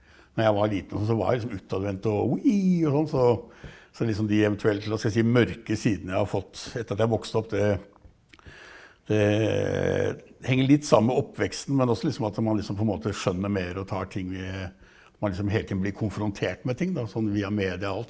når jeg var liten og sånn så var jeg utadvendt og og sånt så så liksom de eventuelt hva skal jeg si mørke sidene jeg har fått etter at jeg vokste opp, det det henger litt sammen med oppveksten men også liksom at man liksom på en måte skjønner mer og tar ting man liksom hele tiden blir konfrontert med ting da sånn via media og alt.